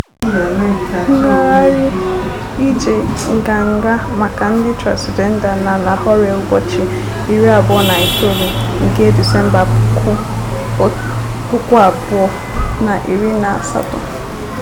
Ngagharị Ije Nganga Maka Ndị Transịjenda na Lahore, ụbọchị 29 nke Disemba, 2018.